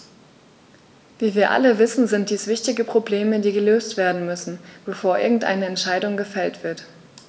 Wie wir alle wissen, sind dies wichtige Probleme, die gelöst werden müssen, bevor irgendeine Entscheidung gefällt wird.